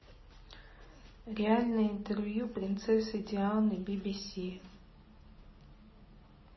реальное интервью принцессы дианы бибиси